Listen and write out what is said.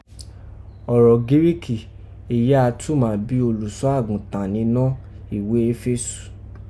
Oro Giriki èyí a túnmà bí Oluso aguntan ninọ́ iwe Efesu